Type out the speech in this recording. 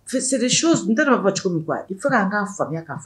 Siri so n taara bɔ cogo min kuwa i fo ka' kaa faamuyaya'a fɔ